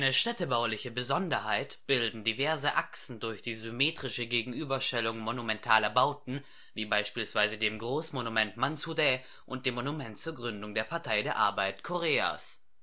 städtebauliche Besonderheit bilden diverse Achsen durch die symmetrische Gegenüberstellung monumentaler Bauten wie beispielsweise dem Großmonument Mansudae und dem Monument zur Gründung der Partei der Arbeit Koreas